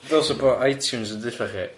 Dylsa bo' iTunes yn deu 'tha chi.